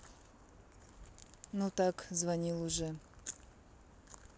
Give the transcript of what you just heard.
ну так звонил уже